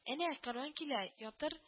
Әнә кәрван килә ятыр